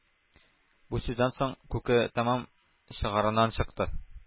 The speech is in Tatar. Бу сүздән соң Күке тәмам чыгарыннан чыкты.